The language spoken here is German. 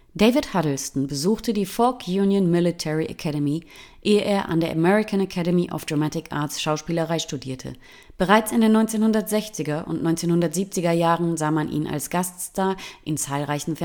David Huddleston besuchte die Fork Union Military Academy, ehe er an der American Academy of Dramatic Arts Schauspielerei studierte. Bereits in den 1960er - und 1970er-Jahren sah man ihn als Gaststar in zahlreichen Fernsehserien